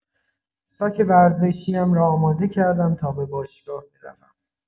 ساک ورزشی‌ام را آماده کردم تا به باشگاه بروم.